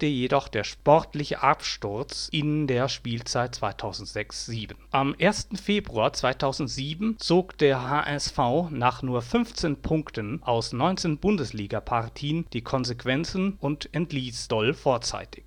jedoch der sportliche Absturz in der Spielzeit 2006/07. Am 1. Februar 2007 zog der HSV nach nur 15 Punkten aus 19 Bundesliga-Partien die Konsequenzen und entließ Doll vorzeitig